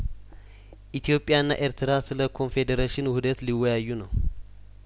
ኢትዮጵያና ኤርትራ ስለኮንፌዴሬሽን ውህደት ሊወያዩ ነው